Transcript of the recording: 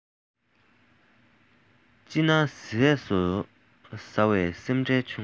ཅི སྣང ཟས སུ ཟ བས སེམས ཁྲལ ཆུང